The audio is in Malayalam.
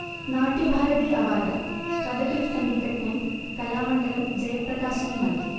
നാട്യഭാരതി അവാർഡ് കഥകളി സംഗീതജ്ഞൻ കലാമണ്ഡലം ജയപ്രകാശിന് നൽകി